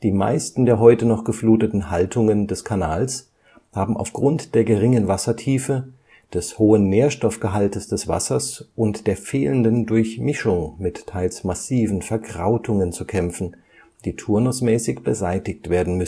meisten der heute noch gefluteten Haltungen des Kanales haben aufgrund der geringen Wassertiefe, des hohen Nährstoffgehaltes des Wassers und der fehlenden Durchmischung mit teils massiven Verkrautungen zu kämpfen, die turnusmäßig beseitigt werden